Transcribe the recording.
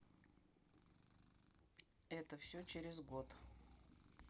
это все через год